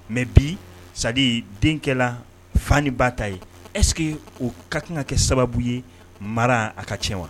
Mais bi c'est à dire den kɛla fa ni ba ta ye, est ce que o ka kan ka kɛ sababu ye mara a ka tiɲɛ wa